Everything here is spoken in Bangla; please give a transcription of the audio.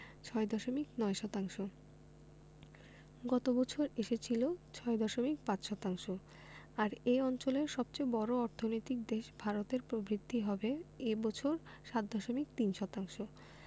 ৬.৯ শতাংশ গত বছর এসেছিল ৬.৫ শতাংশ আর এ অঞ্চলের সবচেয়ে বড় অর্থনৈতিক দেশ ভারতের প্রবৃদ্ধি হবে এ বছর ৭.৩ শতাংশ